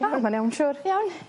ma'n iawn siŵ. Iawn.